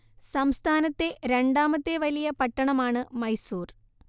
സംസ്ഥാനത്തെ രണ്ടാമത്തെ വലിയ പട്ടണമാണ് മൈസൂർ